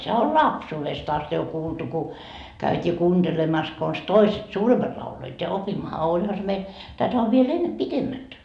sehän oli lapsuudesta asti jo kuultu kun käytiin kuuntelemassa konsa toiset suuremmat lauloivat ja opimmehan olihan se meillä tätä on vielä ennen pitemmät